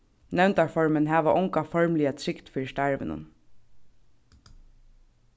nevndarformenn hava onga formliga trygd fyri starvinum